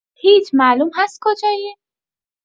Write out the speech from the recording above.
هیچ معلوم هست کجایی؟